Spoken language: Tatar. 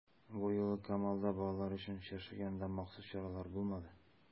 Бу юлы Камалда балалар өчен чыршы янында махсус чаралар булмады.